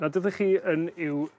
nad ydych chi yn i'w